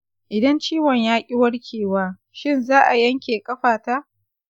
idan ciwon yaƙi warkewa, shin za'a yanke ƙafata?